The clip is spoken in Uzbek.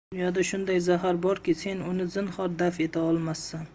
dunyoda shunday zahar borki sen uni zinhor daf eta olmassan